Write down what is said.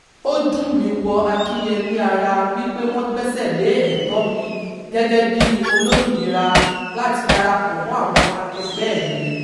Ó dùn mí wọ akínyẹmí ara wípé wọ́n gbẹ́sẹ̀ lé ẹ̀tọ́ọ mi gẹ́gẹ́ bí olómìnira láti darapọ̀ mọ́ àwọn akẹgbẹ́ẹ̀ mi.